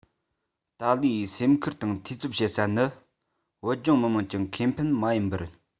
ཏཱ ལའི ཡིས སེམས ཁུར དང འཐུས ཚབ བྱེད ས ནི བོད ལྗོངས མི དམངས ཀྱི ཁེ ཕན མ ཡིན པར